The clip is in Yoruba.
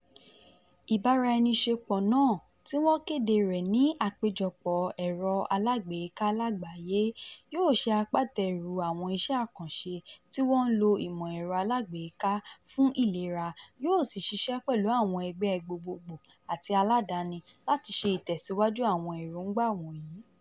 Ìbáraẹniṣepọ̀ náà, tí wọ́n kéde rẹ̀ ní Àpéjọpọ̀ Ẹ̀rọ Alágbèéká Lágbàáyé, yóò ṣe agbátẹrù àwọn iṣẹ́ àkànṣe tí wọ́n ń lo ìmọ̀ ẹ̀rọ alágbèéká fún ìlera yóò sì ṣiṣẹ́ pẹ̀lú àwọn ẹgbẹ́ gbogbogbò àti aládani láti ṣe ìtẹ̀síwájú àwọn èróńgbà wọ̀nyí.